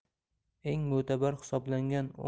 eng mo'tabar hisoblangan o'ng tomonga